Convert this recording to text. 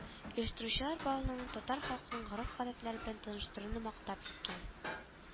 Оештыручылар балаларны татар халкының гореф-гадәтләре белән таныштыруны мактап киткән